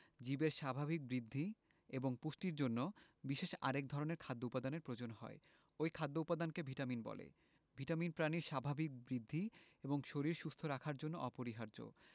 জীবের স্বাভাবিক বৃদ্ধি এবং পুষ্টির জন্য বিশেষ আরেক ধরনের খাদ্য উপাদানের প্রয়োজন হয় ঐ খাদ্য উপাদানকে ভিটামিন বলে ভিটামিন প্রাণীর স্বাভাবিক বৃদ্ধি এবং শরীর সুস্থ রাখার জন্য অপরিহার্য